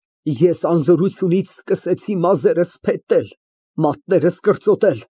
Ես անզորությունից սկսեցի մազերս փետտել, մատներս կրծոտել։